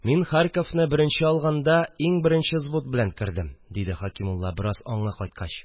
– мин харьковны беренче алганда иң беренче звут белән кердем, – диде хәкимулла бераз аңы кайткач